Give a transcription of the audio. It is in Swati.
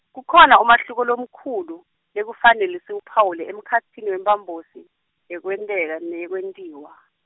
kukhona umehluko lomkhulu, lekufanele siwuphawule emkhatsini wemphambosi, yekwentela neyekwentiwa.